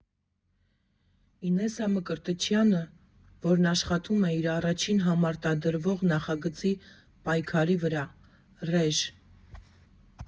Ինեսսա Մկրտչյանը, որն աշխատում է իր առաջին համարտադրվող նախագծի՝ «Պայքարի» վրա (ռեժ.